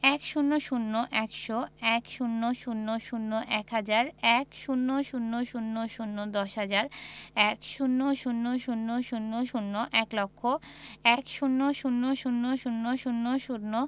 ১০০ – একশো ১০০০ – এক হাজার ১০০০০ দশ হাজার ১০০০০০ এক লক্ষ ১০০০০০০